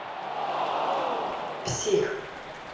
псих